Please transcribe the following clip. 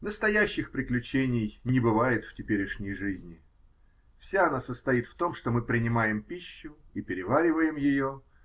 Настоящих приключений не бывает в теперешней жизни: вся она состоит в том, что мы принимаем пищу и перевариваем ее.